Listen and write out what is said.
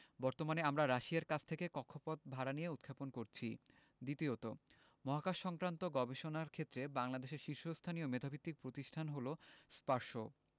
বর্তমানে আমরা রাশিয়ার কাছ থেকে কক্ষপথ ভাড়া নিয়ে উৎক্ষেপণ করেছি দ্বিতীয়ত মহাকাশসংক্রান্ত গবেষণার ক্ষেত্রে বাংলাদেশের শীর্ষস্থানীয় মেধাভিত্তিক প্রতিষ্ঠান হলো স্পারসো